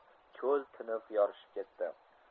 chol tiniq yorishib ketdi